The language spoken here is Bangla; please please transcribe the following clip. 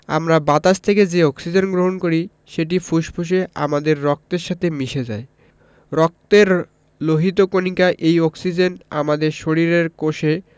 আমরা বাতাস থেকে যে অক্সিজেন গ্রহণ করি সেটি ফুসফুসে আমাদের রক্তের সাথে মিশে যায় রক্তের লোহিত কণিকা এই অক্সিজেন আমাদের শরীরের কোষে